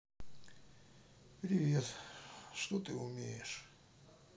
привет что ты умеешь